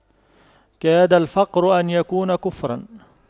كاد الفقر أن يكون كفراً